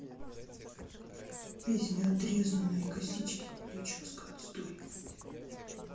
песня отрезные косички прическа отстой